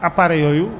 métti gën a cher